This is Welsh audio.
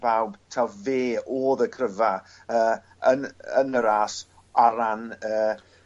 bawb taw fe o'dd y cryfa yy yn yn y ras ar ran y